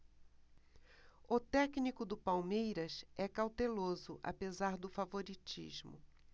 o técnico do palmeiras é cauteloso apesar do favoritismo